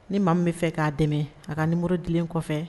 Ni maa min bɛ fɛ k'a dɛmɛ a ka ni muru dilen kɔfɛ